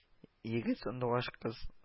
Егет сандугач кыз